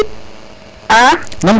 a